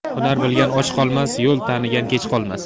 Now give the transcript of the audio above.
hunar bilgan och qolmas yo'l tanigan kech qolmas